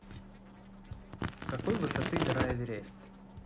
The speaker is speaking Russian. какой высоты гора эверест